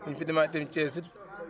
bién fi demaatee Thiès it